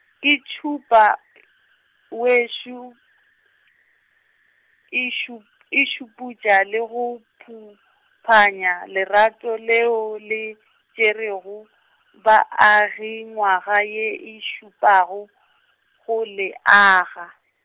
ke tšhupa , wešo, e šup-, e šuputša le go phumphanya lerato leo le tšerego, baagi nywaga ye e šupago, go le aga.